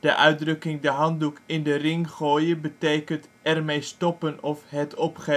uitdrukking " de handdoek in de ring gooien " betekent ' ermee stoppen ',' het